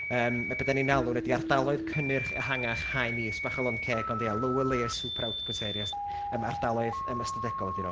Yym ma' be dan ni'n alw'n ydi ardaloedd cynnyrch ehangach haen is, bach o lond ceg, ond ia, lower layer, super output areas, yym ardaloedd yym ystadegol ydyn nhw.